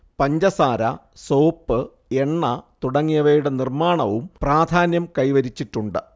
പഞ്ചസാര സോപ്പ് എണ്ണ തുടങ്ങിയവയുടെ നിർമ്മാണവും പ്രാധാന്യം കൈവരിച്ചിട്ടുണ്ട്